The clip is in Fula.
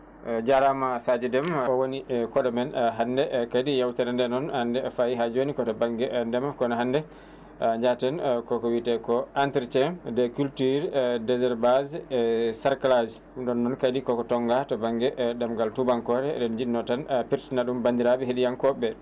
jarama Sadio Déme o woni kooɗo men hannde kadi yewtere nde noon nde faayi ha jooni koto banŋge ndema kono hannde a jaahten ko ko wiite ko entretien des cultures déservages et cerclage ɗum noon kadi koko tongga to banŋnge ɗemngal tubankore eɗen njinno tan pirtana ɗum bandiraɓe heeɗiyankoɓe